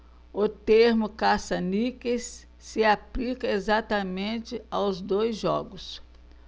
o termo caça-níqueis se aplica exatamente aos dois jogos